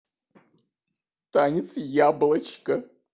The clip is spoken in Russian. танец яблочко